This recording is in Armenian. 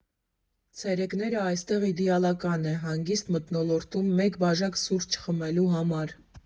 Ցերեկները այստեղ իդեալական է հանգիստ մթնոլորտում մեկ բաժակ սուրճ խմելու համար։